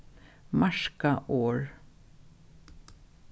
marka orð